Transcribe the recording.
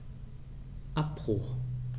Abbruch.